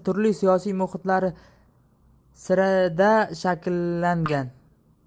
turli siyosiy muhitlar sirida shakllangan